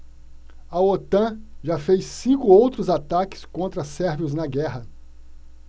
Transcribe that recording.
a otan já fez cinco outros ataques contra sérvios na guerra